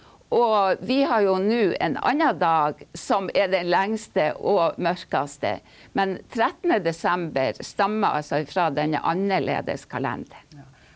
og vi har jo nå en anna dag som er den lengste og mørkeste, men 13. desember stammer altså ifra denne annerledes kalenderen.